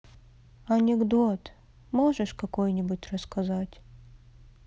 анекдот можешь какой нибудь рассказать